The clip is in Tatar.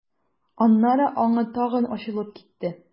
Аннары аңы тагы ачылып китте.